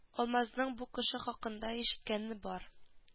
Алмазның бу кеше хакында ишеткәне бар